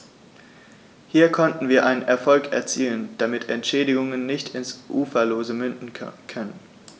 Hier konnten wir einen Erfolg erzielen, damit Entschädigungen nicht ins Uferlose münden können.